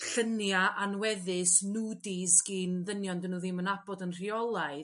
llunia' anweddus nudies gin ddynion di n'w ddim yn nabod yn rheolaidd